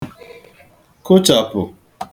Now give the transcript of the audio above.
kụchàpụ̀